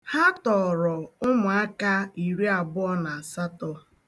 Ha tọọrọ ụmụaka iri abụọ na asatọ.